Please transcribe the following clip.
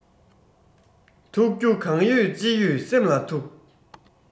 ཐུག རྒྱུ གང ཡོད ཅི ཡོད སེམས ལ ཐུག